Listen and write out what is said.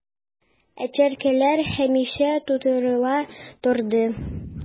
Ә чәркәләр һәмишә тутырыла торды...